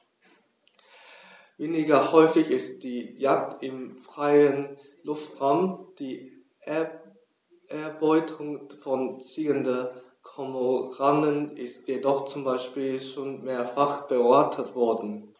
Weniger häufig ist die Jagd im freien Luftraum; die Erbeutung von ziehenden Kormoranen ist jedoch zum Beispiel schon mehrfach beobachtet worden.